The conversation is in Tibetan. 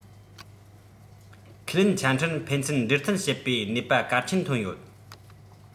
ཁས ལེན ཆ འཕྲིན ཕན ཚུན འབྲེལ མཐུད བྱེད པའི ནུས པ གལ ཆེན ཐོན ཡོད